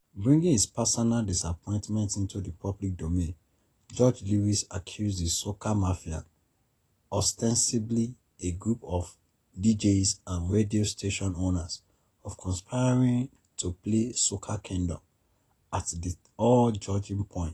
Bringing his personal disappointment into the public domain, George's lyrics accused the "soca mafia" — ostensibly a group of deejays and radio station owners — of conspiring to play "Soca Kingdom" at the all judging points.